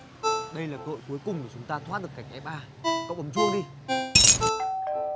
đây là cơ hội cuối cùng của chúng ta thoát được cảnh ép a cậu bấm chuông đi cháu